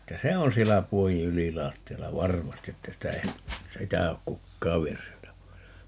että se on siellä puodin ylilattialla varmasti että sitä ei sitä ole kukaan vienyt sieltä pois